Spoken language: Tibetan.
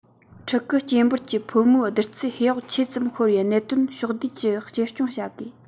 ཕྲུ གུ སྐྱེ འབོར གྱི ཕོ མོའི བསྡུར ཚད ཧེ བག ཆེ ཙམ ཤོར བའི གནད དོན ཕྱོགས བསྡུས ཀྱིས བཅོས སྐྱོང བྱ དགོས